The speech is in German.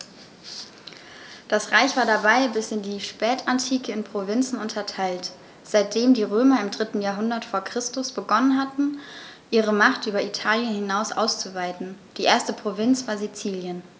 Das Reich war dabei bis in die Spätantike in Provinzen unterteilt, seitdem die Römer im 3. Jahrhundert vor Christus begonnen hatten, ihre Macht über Italien hinaus auszuweiten (die erste Provinz war Sizilien).